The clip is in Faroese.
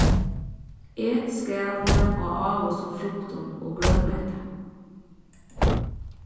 et skalið á ávísum fruktum og grønmeti